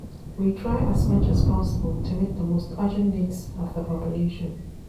We try as much as possible to meet the most urgent needs of the population.